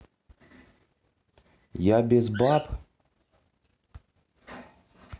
я без баб